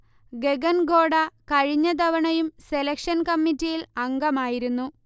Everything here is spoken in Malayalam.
ഗഗൻ ഖോഡ കഴിഞ്ഞ തവണയും സെലക്ഷൻ കമ്മിറ്റിയിൽ അംഗമായിരുന്നു